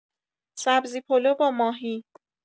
سبزی‌پلو با ماهی.